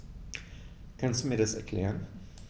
Kannst du mir das erklären?